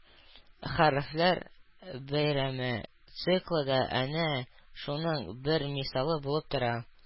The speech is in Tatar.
«хәрефләр бәйрәме» циклы да әнә шуның бер мисалы булып тора